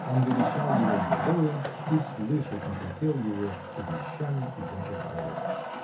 Он величал его героем -- и слышать не хотел его увещаний и даже просьб.